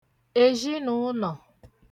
èzhinụ̀ụnọ̀